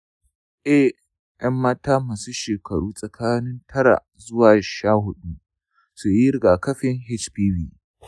eh, ‘yan mata masu shekaru tsakanin tara zuwa sha hudu su yi rigakafin hpv.